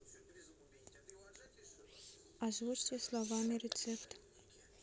озвучьте словами рецепт